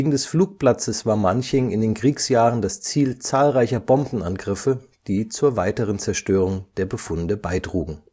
des Flugplatzes war Manching in den Kriegsjahren das Ziel zahlreicher Bombenangriffe, die zur weiteren Zerstörung der Befunde beitrugen